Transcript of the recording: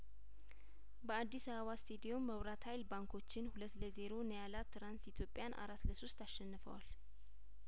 በአዲስ አበባ ስቴዲዮም መብራት ሀይል ባንኮችን ሁለት ለዜሮ ኒያላ ትራንስ ኢትዮጵያን አራት ለሶስት አሸንፈዋል